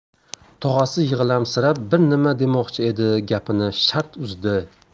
tog'asi yig'lamsirab bir nima demoqchi edi gapini shart uzdi